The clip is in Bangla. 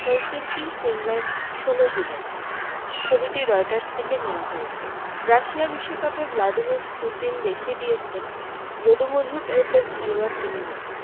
হেলসিঙ্কি ফিনল্যান্ড ১৬ জুলাই ছবিটি রয়টার্স থেকে নেয়া হয়েছে রাশিয়া বিশ্বকাপে ভ্লাদিমির পুতিন দেখিয়ে দিয়েছেন যদু মধু টাইপের খেলোয়াড় তিনি নন